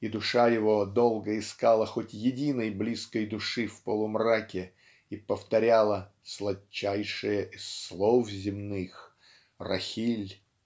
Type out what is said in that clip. и душа его долго искала хоть единой близкой души в полумраке и повторяла "сладчайшее из слов земных Рахиль!". .